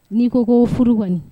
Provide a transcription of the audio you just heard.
N'i ko ko furu kɔni